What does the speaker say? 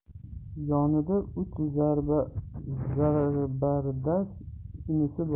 yonida uch zabardast inisi bor